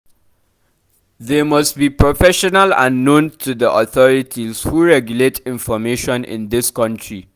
They must be professional and known to the authorities who regulate information in this country.